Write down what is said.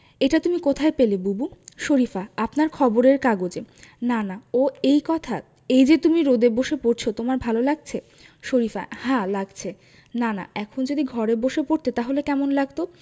এটা তুমি কোথায় পেলে বুবু শরিফা আপনার খবরের কাগজে নানা ও এই কথা এই যে তুমি রোদে বসে পড়ছ তোমার ভালো লাগছে শরিফা হ্যাঁ লাগছে নানা এখন যদি ঘরে বসে পড়তে তাহলে কেমন লাগত